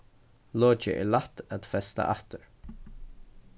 lokið er lætt at festa aftur